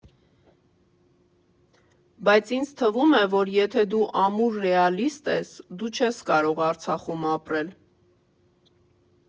Բայց ինձ թվում է, որ եթե դու ամուր ռեալիստ ես, դու չես կարող Արցախում ապրել։